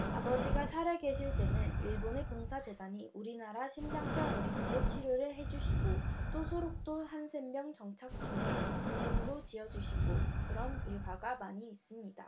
아버지 살아계실 때는 일본의 봉사재단이 우리나라 심장병 어린이도 치료를 해주시고 또 소록도 한센병 정착촌에 병동도 지어주시고 그런 일화가 많이 있습니다